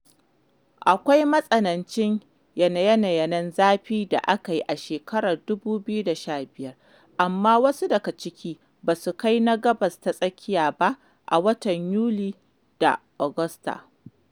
Akwai matsanancin yanaye-yanayen zafi da aka yi a shekarar 2015, amma wasu daga ciki ba su kai na Gabas ta Tsakiya ba a watan Yuli da Agusta.